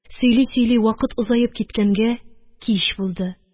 Сөйли-сөйли вакыт озаеп киткәнгә, кич булды